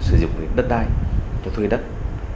sử dụng đất đai cho thuê đất